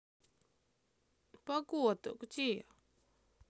погода где